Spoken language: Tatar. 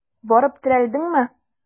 Барып терәлдеңме?